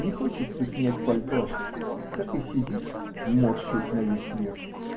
Не хочется снять пальто, так и сидишь, морщась на весь мир.